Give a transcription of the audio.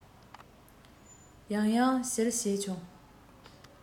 ཡང ཡང བྱིལ བྱས བྱུང